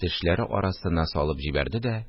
Тешләре арасына салып җибәрде дә